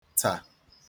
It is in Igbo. tà